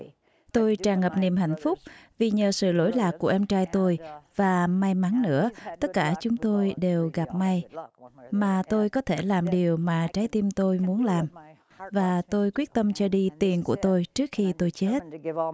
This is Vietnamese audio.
tôi tràn ngập niềm hạnh phúc vì nhờ sự lỗi lạc của em trai tôi và may mắn nữa tất cả chúng tôi đều gặp may mà tôi có thể làm điều mà trái tim tôi muốn làm và tôi quyết tâm trở đi tiền của tôi trước khi tôi chết